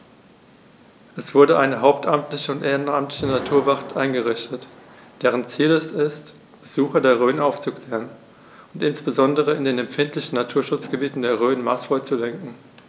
Es wurde eine hauptamtliche und ehrenamtliche Naturwacht eingerichtet, deren Ziel es ist, Besucher der Rhön aufzuklären und insbesondere in den empfindlichen Naturschutzgebieten der Rhön maßvoll zu lenken.